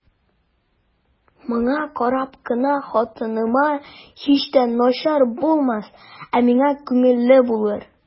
Моңа карап кына хатыныма һич тә начар булмас, ә миңа күңелле булыр.